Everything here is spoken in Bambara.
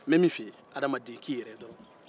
n bɛ min f'i ye adamaden i k'i yɛrɛ dɔn